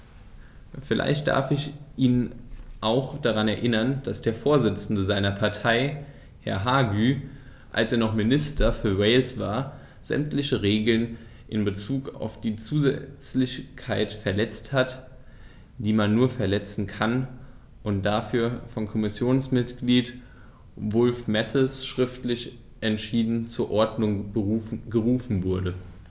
Vielleicht darf ich ihn auch daran erinnern, dass der Vorsitzende seiner Partei, Herr Hague, als er noch Minister für Wales war, sämtliche Regeln in Bezug auf die Zusätzlichkeit verletzt hat, die man nur verletzen kann, und dafür von Kommissionsmitglied Wulf-Mathies schriftlich entschieden zur Ordnung gerufen wurde.